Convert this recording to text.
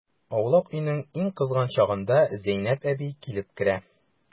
Аулак өйнең иң кызган чагында Зәйнәп әби килеп керә.